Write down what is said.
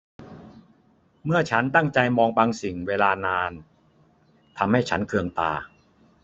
เมื่อฉันตั้งใจมองบางสิ่งเวลานานทำให้ฉันเคืองตา